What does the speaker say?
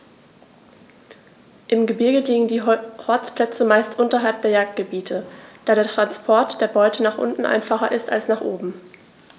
Im Gebirge liegen die Horstplätze meist unterhalb der Jagdgebiete, da der Transport der Beute nach unten einfacher ist als nach oben.